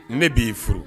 Ne b'i furu